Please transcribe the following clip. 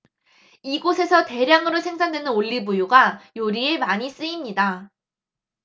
이곳에서 대량으로 생산되는 올리브유가 요리에 많이 쓰입니다